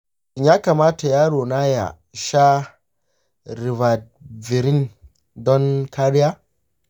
shin ya kamata yaro na ya sha ribavirin don kariya?